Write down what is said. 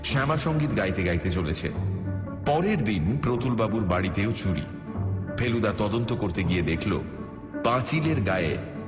শ্যামাসঙ্গীত গাইতে গাইতে চলেছে পরের দিন প্রতুল বাবুর বাড়িতেও চুরি ফেলুদা তদন্ত করতে গিয়ে দেখল পাঁচিলের গায়ে